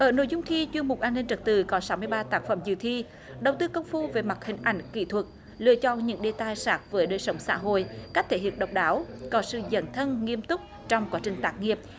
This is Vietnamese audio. ở nội dung thi chuyên mục an ninh trật tự có sáu mươi ba tác phẩm dự thi đầu tư công phu về mặt hình ảnh kỹ thuật lựa chọn những đề tài sát với đời sống xã hội cách thể hiện độc đáo có sự dấn thân nghiêm túc trong quá trình tác nghiệp